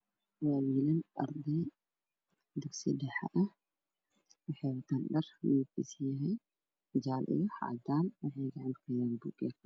Waa arday dugsi dhexe ah waxay wataan dhar midabkiisu yahay jaale iyo cadaan waxbay qorayaan